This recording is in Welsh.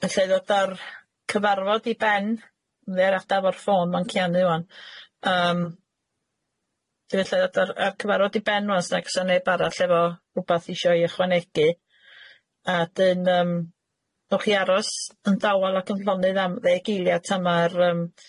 Alla i ddod ar cyfarfod i ben ymddieuriada fo'r ffôn ma'n cianu ŵan yym dwi'n ella ddod ar ar cyfarfod i ben ŵan s'nag syneb arall efo rhwbath isio'i ychwanegu a dyn yym ddowch i aros yn dawel ac yn llonydd am ddeg eiliad tan ma'r yym